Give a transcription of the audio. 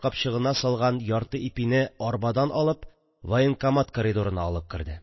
Капчыгына салган ярты ипине арбадан алып, военкомат коридорына алып керде